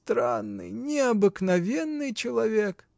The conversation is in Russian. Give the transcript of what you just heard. Странный, необыкновенный человек!